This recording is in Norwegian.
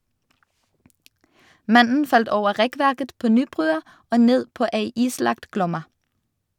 Mannen falt over rekkverket på Nybrua og ned på ei islagt Glomma.